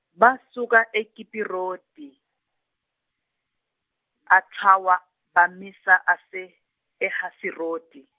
basuka eKibiroti, Hathawa bamisa ase eHaseroti